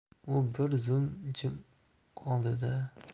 u bir zum jimib qoldi da